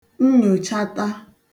nnyòchata